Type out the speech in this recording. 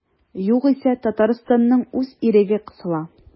Югыйсә Татарстанның үз иреге кысыла.